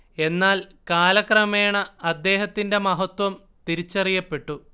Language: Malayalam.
എന്നാൽ കാലക്രമേണ അദ്ദേഹത്തിന്റെ മഹത്ത്വം തിരിച്ചറിയപ്പെട്ടു